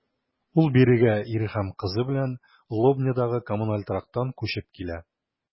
Ул бирегә ире һәм кызы белән Лобнядагы коммуналь торактан күчеп килә.